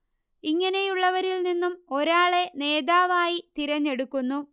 ഇങ്ങനെയുള്ളവരിൽ നിന്നും ഒരാളെ നേതാവായി തിരഞ്ഞെടുക്കുന്നു